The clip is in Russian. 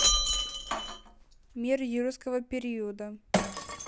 мир юрского периода